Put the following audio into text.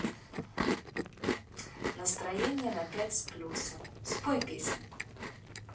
настроение на пять с плюсом спой песенку